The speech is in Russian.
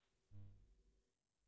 заткнись скот